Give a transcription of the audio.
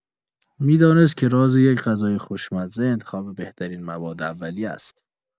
می‌دانست که راز یک غذای خوشمزه، انتخاب بهترین مواد اولیه است.